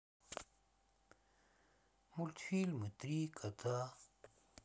мультфильмы три кота